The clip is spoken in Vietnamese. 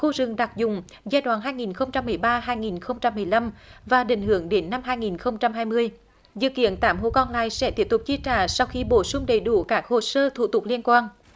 khu rừng đặc dụng giai đoạn hai nghìn không trăm mười ba hai nghìn không trăm mười năm và định hướng đến năm hai nghìn không trăm hai mươi dự kiến tám hộ con lại sẽ tiếp tục chi trả sau khi bổ sung đầy đủ các hồ sơ thủ tục liên quan